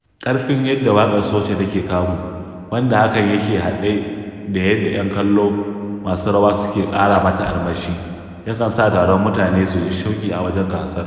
ƙarfin yadda waƙar soca take kamu, wanda hakan yake haɗe da yadda 'yan kallo masu rawa suke ƙara mata armashi, yakan sa taron mutanen su ji shauƙi a wajen gasar.